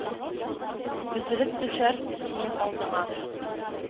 Өзелеп төшәр синең алдыңа.